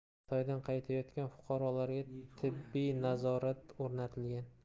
xitoydan qaytayotgan fuqarolarga tibbiy nazorat o'rnatilgan